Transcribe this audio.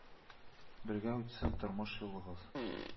Бергә үтсен тормыш юлыгыз